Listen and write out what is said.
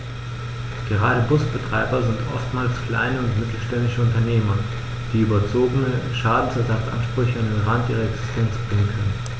Gerade Busbetreiber sind oftmals kleine und mittelständische Unternehmer, die überzogene Schadensersatzansprüche an den Rand ihrer Existenz bringen können.